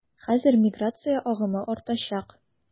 Хәзер миграция агымы артачак.